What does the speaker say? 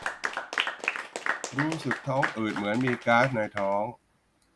รู้สึกท้องอืดเหมือนมีก๊าซในท้อง